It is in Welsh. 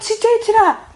...ti deud hynna?